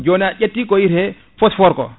joni aƴetti ko wiyate phosphore ko